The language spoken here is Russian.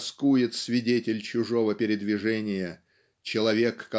тоскует свидетель чужого передвижения человек